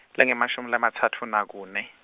lengemashumi lamatsatfu nakune.